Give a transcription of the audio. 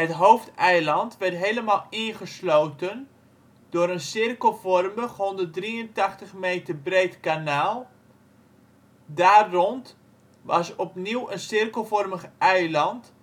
hoofdeiland werd helemaal ingesloten door een cirkelvormig 183 meter breed kanaal. Daarrond was opnieuw een ringvormig eiland